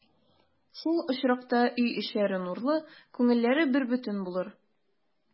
Шул очракта өй эчләре нурлы, күңелләре бербөтен булыр.